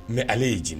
Mɛ ale y ye jinɛ